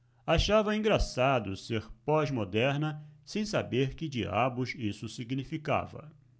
achava engraçado ser pós-moderna sem saber que diabos isso significava